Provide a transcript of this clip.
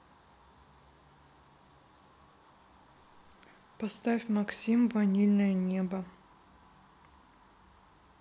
поставь максим ванильное небо